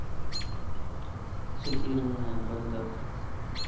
затерянные во льдах